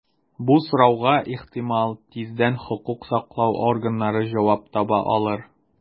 Бу сорауга, ихтимал, тиздән хокук саклау органнары җавап таба алыр.